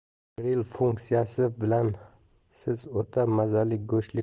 gril funksiyasi bilan siz o'ta mazali go'shtlik